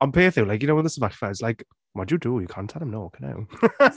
Ond peth yw, like you know what the sefyllfa is like, what do you do, you can’t tell him no, can you?